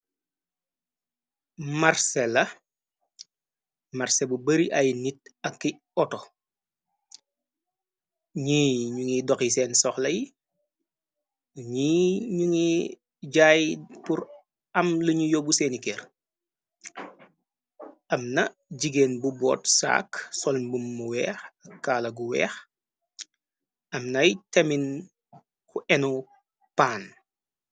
Marsela marsé bu bari ay nit aki oto ñyi ñyu nyugi doxi seen soxla yi nyi ñyu nyugi jaay pur am luñyu yóbbu seeni ker amna jigéen bu boot saak sol mbummu weex ak kaala gu weex amnay tamin ku enu paan.